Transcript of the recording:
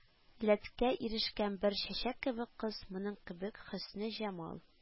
Ләткә ирешкән бер чәчәк кебек кыз, моның кебек хөсне җәмал